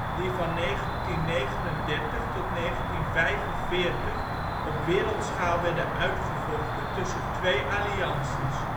die van 1939 tot 1945 op wereldschaal werden uitgevochten tussen twee allianties